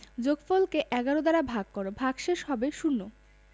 যোগফল কে ১১ দ্বারা ভাগ কর ভাগশেষ হবে শূন্য